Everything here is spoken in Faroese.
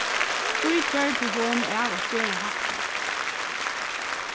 hví gjørdi hon av at gera hatta